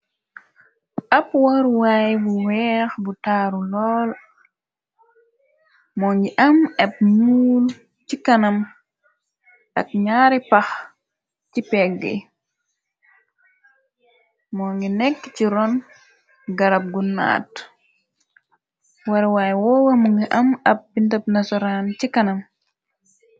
Ab waruwaay bu weex bu taaru lool moo ngi am ab muul ci kanam ak ñaari pax ci pegg moo ngi nekk ci ron garab gu naat waruwaay woowa mu ngi am ab bindab nasoran ci kanam.